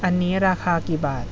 อันนี้ราคากี่บาท